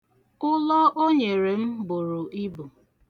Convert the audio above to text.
Ụlọ o nyere m buru ibu